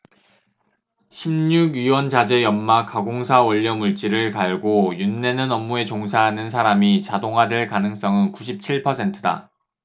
십 육 위원자재 연마 가공사 원료물질을 갈고 윤내는 업무에 종사하는 사람이 자동화될 가능성은 구십 칠 퍼센트다